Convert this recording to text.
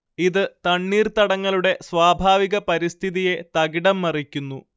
ഇത് തണ്ണീർത്തടങ്ങളുടെ സ്വാഭാവിക പരിസ്ഥിതിയെ തകിടംമറിക്കുന്നു